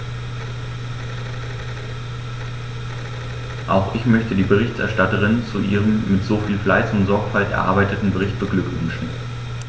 Auch ich möchte die Berichterstatterin zu ihrem mit so viel Fleiß und Sorgfalt erarbeiteten Bericht beglückwünschen.